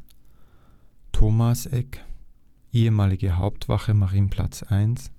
Thomass-Eck, Ehemalige Hauptwache (Marienplatz 1